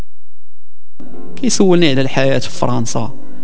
الحياه في فرنسا